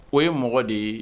O ye mɔgɔ de ye